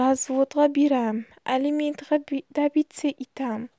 razvodg'a biram alimentg'a dabitsa itam